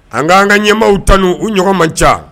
An k'an ka ɲɛmaa tanun u ɲɔgɔn ma ca